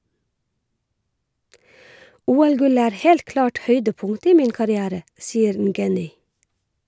OL-gullet er helt klart høydepunktet i min karriere, sier Ngeny.